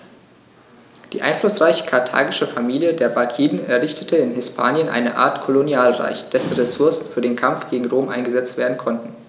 Die einflussreiche karthagische Familie der Barkiden errichtete in Hispanien eine Art Kolonialreich, dessen Ressourcen für den Kampf gegen Rom eingesetzt werden konnten.